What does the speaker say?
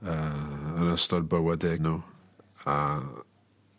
yy yn ystod bywede n'w a